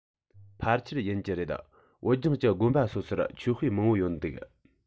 ཕལ ཆེར ཡིན གྱི རེད བོད ལྗོངས ཀྱི དགོན པ སོ སོར ཆོས དཔེ མང པོ ཡོད འདུག